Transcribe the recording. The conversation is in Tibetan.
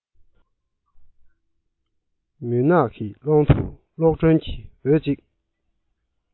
མུན ནག གི ཀློང དུ གློག སྒྲོན གྱི འོད ཅིག